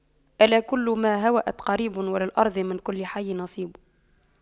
ألا كل ما هو آت قريب وللأرض من كل حي نصيب